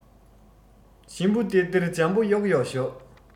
ཞིམ པོ སྟེར སྟེར འཇམ པོ གཡོག གཡོག ཞོག